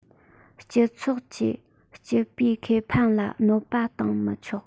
སྤྱི ཚོགས ཀྱི སྤྱི པའི ཁེ ཕན ལ གནོད པ བཏང མི ཆོག